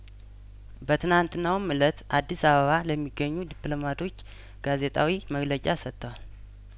በትናንትናውም እለት አዲስ አበባ ለሚገኙ ዲፕሎማቶች ጋዜጣዊ መግለጫ ሰጥተዋል